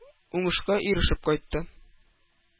Уңышка ирешеп кайтты.